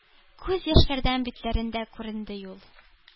Күз яшьләрдән битләрендә күренде юл;